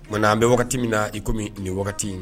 Nka anan bɛ wagati min na iko nin wagati in